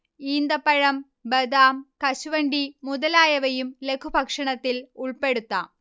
ഈന്തപ്പഴം, ബദാം, കശുവണ്ടി മുതലായവയും ലഘുഭക്ഷണത്തിൽ ഉൾപ്പെടുത്താം